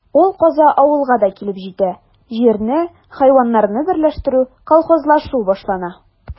Ул каза авылга да килеп җитә: җирне, хайваннарны берләштерү, колхозлашу башлана.